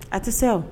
A tɛ se o